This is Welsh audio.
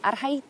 a'r rhai